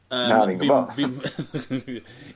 Yy... Na fi'n gwbo. ...fi'n fi'n.